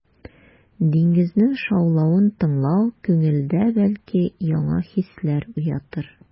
Диңгезнең шаулавын тыңлау күңелдә, бәлки, яңа хисләр уятыр.